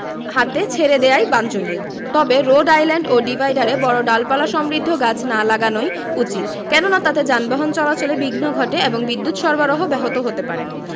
হাতে ছেড়ে দেয়াই বাঞ্ছনীয় তবে রোড আইল্যান্ড ও ডিভাইডারে বড় ডালপালাসমৃদ্ধ গাছ না লাগানোই উচিত কেননা তাতে যানবাহন চলাচলে বিঘ্ন ঘটে এবং বিদ্যুত সরবরাহ ব্যাহত হতে পারে